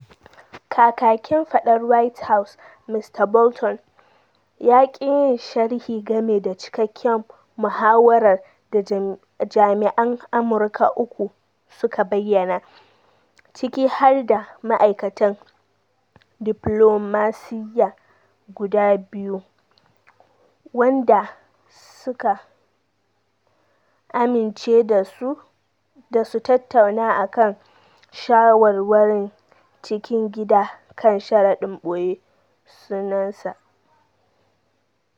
Kakakin Fadar White House Mr. Bolton ya ƙi yin sharhi game da cikakken muhawarar da jami'an Amurka uku suka bayyana, ciki harda ma'aikatan diplomasiyya guda biyu, waɗanda suka amince da su tattauna akan shawarwarin cikin gida kan sharaɗin ɓoye sunansa.